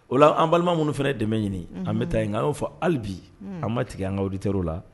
O la an balima minnu fɛnɛ ye dɛmɛ ɲini unhun an be taa yen nka y'o fɔ ali bi unnn an' ma tigɛ an ŋa auditeurs u la